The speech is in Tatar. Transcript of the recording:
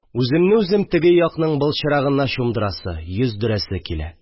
Үземне үзем теге якның былчырагына чумдырасы, йөздерәсе килә